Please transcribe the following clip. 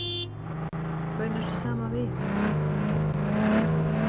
hvørjum ert tú saman við